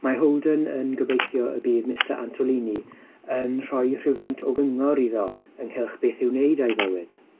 Mae Holden yn gobeithio y bydd Mista Antolini yn rhoi rhywfaint o gyngor iddo ynghylch beth i'w wneud â'i fywyd.